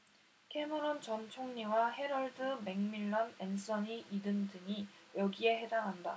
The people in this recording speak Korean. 캐머런 전 총리와 해럴드 맥밀런 앤서니 이든 등이 여기에 해당한다